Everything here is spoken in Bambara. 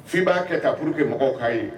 Fin b'a kɛ ta puruur que mɔgɔw ka ye